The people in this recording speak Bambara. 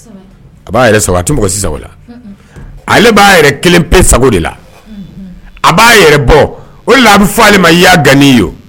A b'a tosa ale b'a yɛrɛ kelen pe sago de la a b'a bɔ o a bɛ fɔ a ma i y' gan ye